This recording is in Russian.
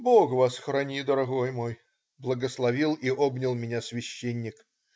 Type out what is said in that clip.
"- "Бог вас храни, дорогой мой",- благословил и обнял меня священник.